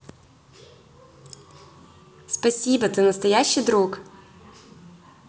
спасибо ты настоящий друг